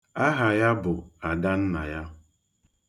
Aha ya bụ Adannaya.